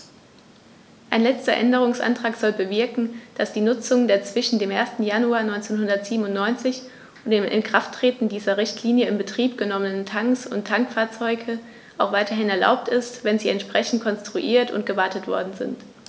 Ein letzter Änderungsantrag soll bewirken, dass die Nutzung der zwischen dem 1. Januar 1997 und dem Inkrafttreten dieser Richtlinie in Betrieb genommenen Tanks und Tankfahrzeuge auch weiterhin erlaubt ist, wenn sie entsprechend konstruiert und gewartet worden sind.